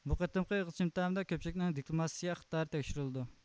بۇ قېتىمقى ئېغىزچە ئىمتىھاندا كۆپچىلىكنىڭ دېكلاماتسىيە ئىقتىدارى تەكشۈرۈلىدۇ